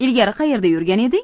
ilgari qaerda yurgan eding